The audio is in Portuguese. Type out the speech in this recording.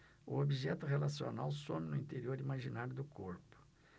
o objeto relacional some no interior imaginário do corpo